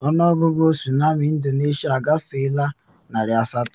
Ọnụọgụ Tsunami Indonesia Agafeela 800.